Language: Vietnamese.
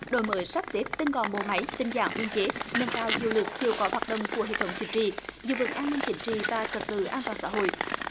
đổi mới sắp xếp tinh gọn bộ máy tinh giảm biên chế nâng cao hiệu lực hiệu quả hoạt động của hệ thống chính trị giữ vững an ninh chính trị và trật tự an toàn xã hội